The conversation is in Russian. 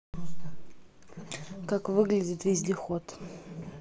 как выглядит вездеход